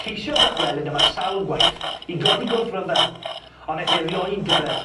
Ceisiodd ddychwelyd yma sawl gwaith i godi gwrthryfel on' neth e rioed gyrredd.